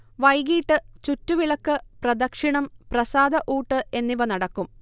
വൈകീട്ട് ചുറ്റുവിളക്ക്, പ്രദക്ഷിണം, പ്രസാദ ഊട്ട് എന്നിവ നടക്കും